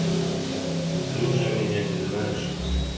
ты уже меня не знаешь что ли